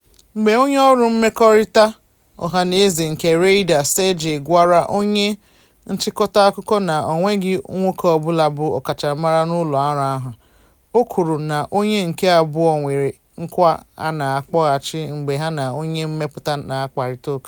Mgbe onyeọrụ mmekọrịta ọhanaeze nke Reyder, Sergey, gwara onye nchịkọta akụkọ na onweghị nwoke ọbụla bụ ọkachamara n'ụlọọrụ ahụ, o kwuru, na onye nke abụọ kwere nkwa na ha ga-akpọghachi mgbe ha na onye mmepụta ha kparịtara ụka.